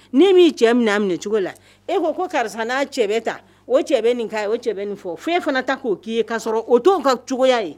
N'i m'i cɛ minɛ a minɛɛ cogo la, e ko ko karisa n'a cɛ bɛ tan, o cɛ bɛ nin k'a ye, o cɛ bɛ nin fɔ fɔ e fana ta k'o k'i ye k'a sɔrɔ o to ka cogoya ye.